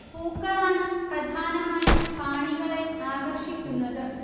പൂക്കളാണ് പ്രധാനമായും കാണികളെ ആകർഷിക്കുന്നത്